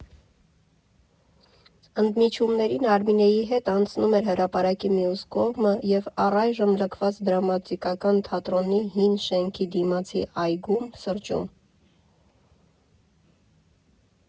Ընդմիջումներին Արմինեի հետ անցնում էր հրապարակի մյուս կողմը և առայժմ լքված դրամատիկական թատրոնի հին շենքի դիմացի այգում սրճում։